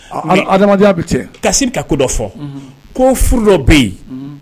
Adamadenya bɛ yen, kasim bɛka ko dɔ fɔ, ko furu dɔ bɛ yen